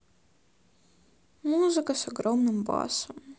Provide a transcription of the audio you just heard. музыка с огромным басом